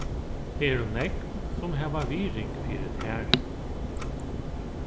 tað eru nógv sum hava virðing fyri tær